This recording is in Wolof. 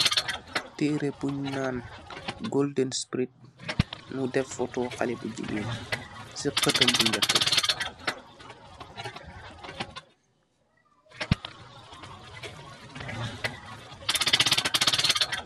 Terreh buñ nan Golden Spirit, mu def nitallu xale bu gigeen ci xattan bu njak bi.